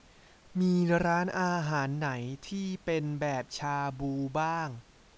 มีร้านอาหารไหนที่เป็นแบบชาบูบ้าง